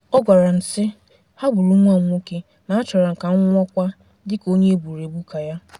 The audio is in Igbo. Ọ gwara m sị: "Ha gburu nwa m nwoke, ma achọrọ m ka m nwụọ kwa, dịka onye egburu egbu, ka ya.